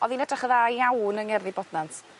O'dd 'i'n edrych yn dda iawn yng Ngerddi Bodnant.